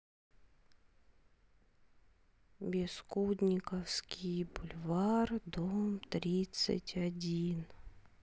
бескудниковский бульвар дом тридцать один